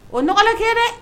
O nɔgɔ na kɛ dɛ.